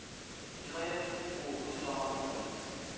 Ниһаять, ул үз заманында